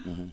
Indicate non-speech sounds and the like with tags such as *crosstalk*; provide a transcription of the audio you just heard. *hesitation* *hesitation*